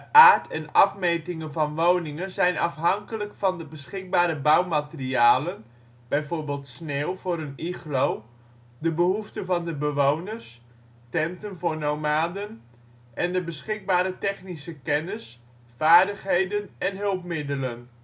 aard en afmetingen van woningen zijn afhankelijk van de beschikbare bouwmaterialen (bijv. sneeuw voor een iglo), de behoeften van de bewoners (tenten voor nomaden) en de beschikbare technische kennis, vaardigheden en hulpmiddelen